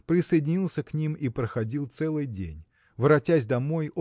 присоединился к ним и проходил целый день. Воротясь домой